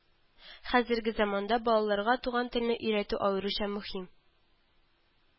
Хәзерге заманда балаларга туган телне өйрәтү аеруча мөһим